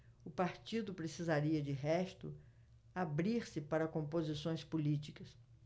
o partido precisaria de resto abrir-se para composições políticas